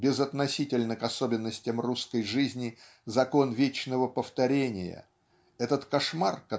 безотносительно к особенностям русской жизни закон вечного повторения этот кошмар